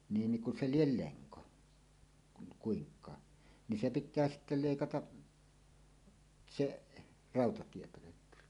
niin niin kun se lie lenko kun kuinkaan niin se pitää sitten leikata se rautatiepölkky